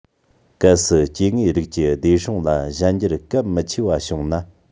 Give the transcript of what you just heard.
གལ སྲིད སྐྱེ དངོས རིགས ཀྱི བདེ སྲུང ལ གཞན འགྱུར གལ མི ཆེ བ བྱུང ན